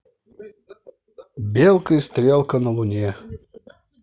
белка и стрелка на луне